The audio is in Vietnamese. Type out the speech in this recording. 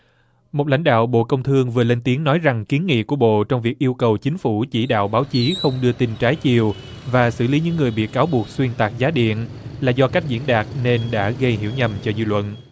một lãnh đạo bộ công thương vừa lên tiếng nói rằng kiến nghị của bộ trong việc yêu cầu chính phủ chỉ đạo báo chí không đưa tin trái chiều và xử lý những người bị cáo buộc xuyên tạc giá điện là do cách diễn đạt nên đã gây hiểu nhầm cho dư luận